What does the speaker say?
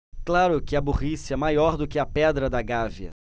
claro que a burrice é maior do que a pedra da gávea